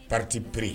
Patipri